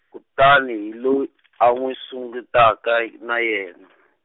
kutani hi loyi, a n'wi singitaka y-, na yena.